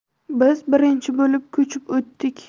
biz birinchi bo'lib ko'chib o'tdik